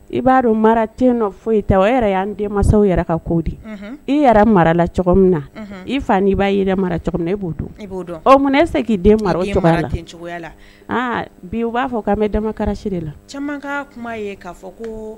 I b'a dɔn mara tɛ fo ta o yɛrɛ y'an den mansaw yɛrɛ ka ko di i yɛrɛ mara la cogo min na i fa n' i b'a yɛrɛ mara min na e b'o ne e se k'i bi u b'a fɔ k' an bɛ damakarasi la ko